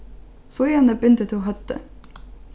síðani bindur tú høvdið